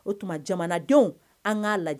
O tuma jamanadenw an k'a lajɛ